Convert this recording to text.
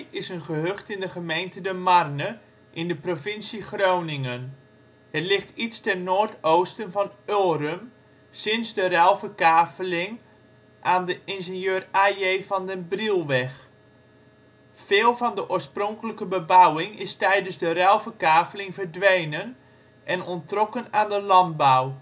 is een gehucht in de gemeente De Marne in de provincie Groningen. Het ligt iets ten noordoosten van Ulrum, sinds de ruilverkaveling aan de Ir A.J. van den Brielweg. Veel van de oorspronkelijke bebouwing is tijdens de ruilverkaveling verdwenen en onttrokken aan de landbouw